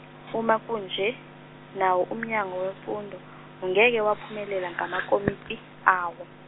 uma kunje, nawo uMnyango weMfundo ungeke waphumelela ngamakomiti awo.